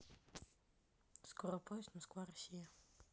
скорый поезд москва россия